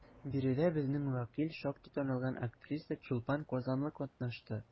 Биредә безнең вәкил, шактый танылган актриса Чулпан Казанлы катнашты.